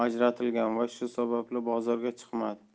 uchun ajratilgan va shu sababli bozorga chiqmadi